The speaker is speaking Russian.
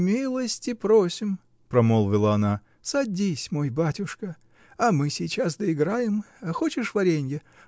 Милости просим, -- промолвила она, -- садись, мой батюшка. А мы сейчас доиграем. Хочешь варенья?